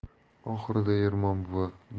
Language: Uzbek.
oxirida ermon buva